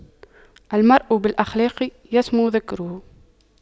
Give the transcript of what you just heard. المرء بالأخلاق يسمو ذكره